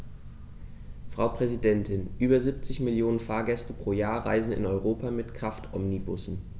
Frau Präsidentin, über 70 Millionen Fahrgäste pro Jahr reisen in Europa mit Kraftomnibussen.